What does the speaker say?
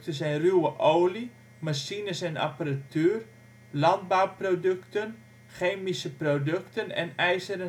zijn ruwe olie, machines en apparatuur, landbouwproducten, chemische producten en ijzer